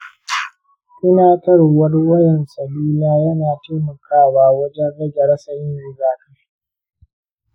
tunatarwar wayan salula yana taimakawa wajen rage rasa yin rigakafi.